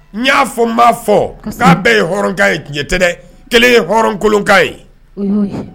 N y'a fɔ, n m'a fɔ; Kosɛbɛ; k'a bɛɛ ye hɔrɔn .kan ye tiɲɛ tɛ dɛ. Kelen ye hɔrɔn kolonkan ye.O y'o ye.